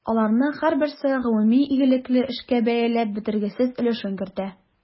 Аларның һәрберсе гомуми игелекле эшкә бәяләп бетергесез өлешен кертә.